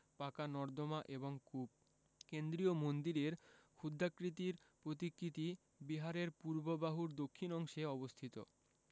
পাকা নর্দমা এবং কূপ কেন্দ্রীয় মন্দিরের ক্ষুদ্রাকৃতির প্রতিকৃতি বিহারের পূর্ব বাহুর দক্ষিণ অংশে অবস্থিত